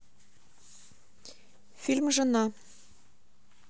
фильм жена